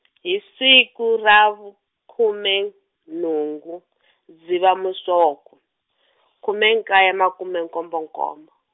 hi siku ra vukhume, nhungu, Dzivamisoko , khume nkaye makume nkombo nkombo.